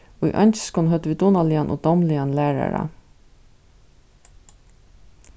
í eingilskum høvdu vit dugnaligan og dámligan lærara